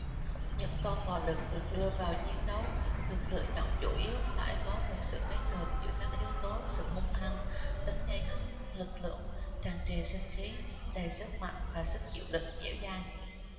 những con bò đực được đưa vào chiến đấu được lựa chọn chủ yếu phải có một sự kết hợp giữa các yếu tố sự hung hăng tính gây hấn lực lưỡng tràn trề sinh khí đầy sức mạnh và sức chịu đựng dẻo dai